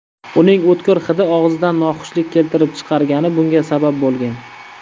uning o'tkir hidi og'izdan noxushlik keltirib chiqargani bunga sabab bo'lgan